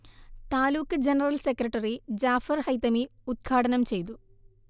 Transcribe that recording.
taluk general secretary Jafar Haithami ഉദ്ഘാടനം ചെയ്തു